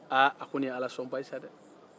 a ko nin ye alasɔn ye sa dɛ